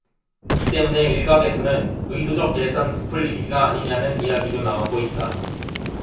이 때문에 일각에서는 의도적예산 부풀리기가 아니냐는 이야기도 나오고 있다